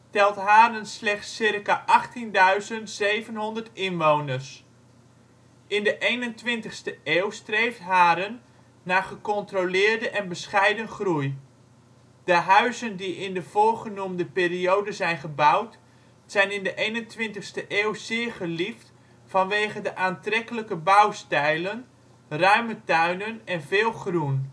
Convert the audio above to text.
telt Haren slechts circa 18.700 inwoners. In de 21ste eeuw streeft Haren naar gecontroleerde en bescheiden groei. De huizen die in de voorgenoemde periode zijn gebouwd zijn in de 21ste eeuw zeer geliefd vanwege de aantrekkelijke bouwstijlen, ruime tuinen en veel groen